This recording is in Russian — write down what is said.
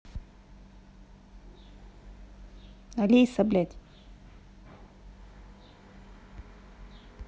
алиса блять